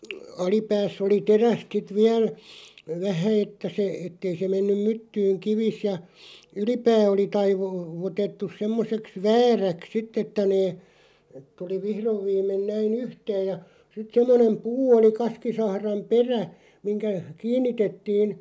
alipäässä oli terästä sitten vielä vähän että se että ei se mennyt myttyyn kivi ja ylipää oli - taivutettu semmoiseksi vääräksi sitten että ne tuli vihdoin viimein näin yhteen ja sitten semmoinen puu oli kaskisahran perä mihin kiinnitettiin